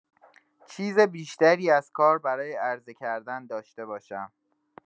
چیزی بیشتر از کار برای عرضه‌کردن داشته باشم.